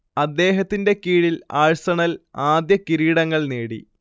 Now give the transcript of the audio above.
അദ്ദേഹത്തിന്റെ കീഴിൽ ആഴ്സണൽ ആദ്യ കിരീടങ്ങൾ നേടി